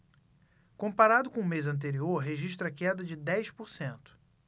comparado com o mês anterior registra queda de dez por cento